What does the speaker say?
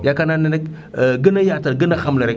yaakaar naa ne nag gën a yaatal gën a xamle rek